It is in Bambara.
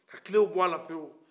ka kilenw bɔ a la penw